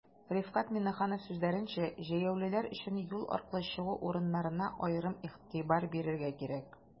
Рифкать Миңнеханов сүзләренчә, җәяүлеләр өчен юл аркылы чыгу урыннарына аерым игътибар бирергә кирәк.